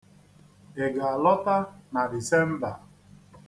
Ị ga-alọta na Disemba?